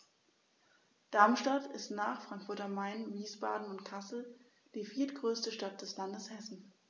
Darmstadt ist nach Frankfurt am Main, Wiesbaden und Kassel die viertgrößte Stadt des Landes Hessen